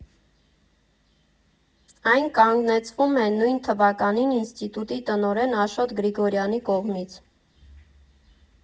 Այն կանգնեցվում է նույն թվականին ինստիտուտի տնօրեն Աշոտ Գրիգորյանի կողմից։